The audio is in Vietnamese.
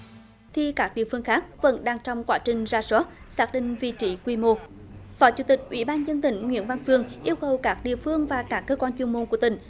thì các địa phương khác vẫn đang trong quá trình rà soát xác định vị trí quy mô phó chủ tịch ủy ban dân tỉnh nguyễn văn phương yêu cầu các địa phương và các cơ quan chuyên môn của tỉnh